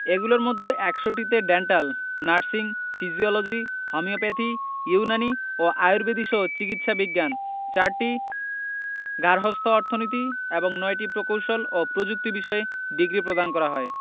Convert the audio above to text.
এগুলোর মধ্যে ৬১টিতে dental nursing physiology homeopathy Unani ও আর্য়ুবেদিকসহ চিকিৎসা বিজ্ঞান ৪টি গার্হস্থ্য অর্থনীতি এবং ৯টি প্রকৌশল ও প্রযুক্তি বিষয়ে ডিগ্রি প্রদান করা হয়